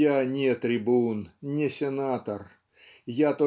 я не трибун, не сенатор, Я